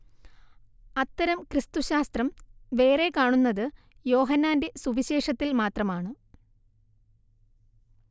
അത്തരം ക്രിസ്തുശാസ്ത്രം വേറെ കാണുന്നത് യോഹന്നാന്റെ സുവിശേഷത്തിൽ മാത്രമാണ്